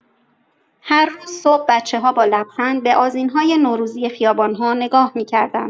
هر روز صبح، بچه‌ها با لبخند به آذین‌های نوروزی خیابان‌ها نگاه می‌کردند.